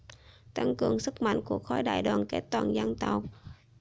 tăng cường sức mạnh của khối đại đoàn kết toàn dân tộc